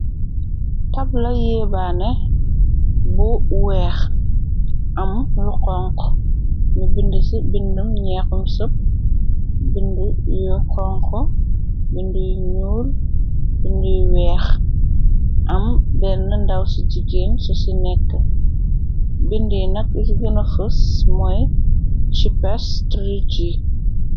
Tabla yéebaane bu weex am lu xonku ni bind ci bindm ñeexum sep bindi yu konk bindy ñuul binduy weex am benn ndaw ci jigéen so ci nekk bindi nak lu ci gëna fës mooy chipestree G.